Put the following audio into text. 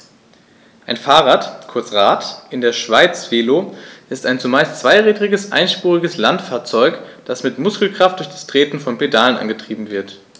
Ein Fahrrad, kurz Rad, in der Schweiz Velo, ist ein zumeist zweirädriges einspuriges Landfahrzeug, das mit Muskelkraft durch das Treten von Pedalen angetrieben wird.